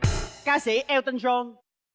ca sĩ eo tân giôn